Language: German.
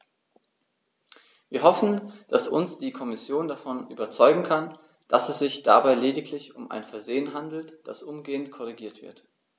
Wir hoffen, dass uns die Kommission davon überzeugen kann, dass es sich dabei lediglich um ein Versehen handelt, das umgehend korrigiert wird.